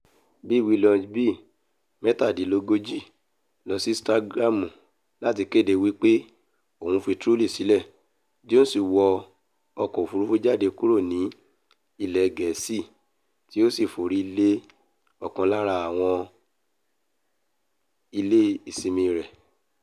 Bí Willoughby, 37, lọsí Instagram láti kéde wípé òun ńfi Truly sílẹ̀, Jones wọ ọkọ òfurufú jáde kúrò ní ilẹ̀ gẹ̀ẹ́sì ti ósì forílẹ ọ̀kan lára àwọn ilé ìsinmi rẹ̀